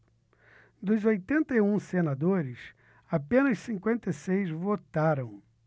dos oitenta e um senadores apenas cinquenta e seis votaram